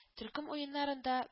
Төркем уеннарында